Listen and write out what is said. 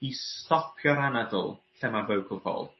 i stopio'r anadl lle ma'r vocal poll.